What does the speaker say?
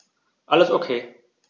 Alles OK.